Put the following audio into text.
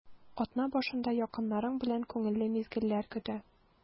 Атна башында якыннарың белән күңелле мизгелләр көтә.